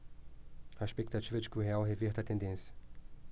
a expectativa é de que o real reverta a tendência